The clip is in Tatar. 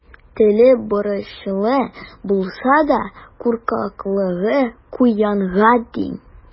Теле борычлы булса да, куркаклыгы куянга тиң.